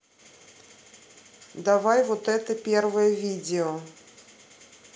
давай вот это первое видео